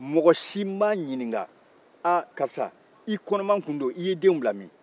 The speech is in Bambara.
mɔgɔ si m'a ɲininka a karisa i kɔnɔma tun don i y'i denw bila min